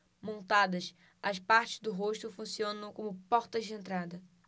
montadas as partes do rosto funcionam como portas de entrada